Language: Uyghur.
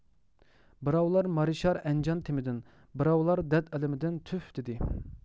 بىراۋلار مارىشار ئەنجان تېمىدىن بىراۋلار دەرد ئەلىمىدىن تۈف دېدى